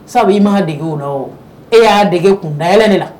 Sabu i ma ka dege o e y'a dege kundaɛlɛn de la